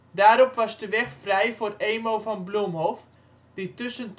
Daarop was de weg vrij voor Emo van Bloemhof, die tussen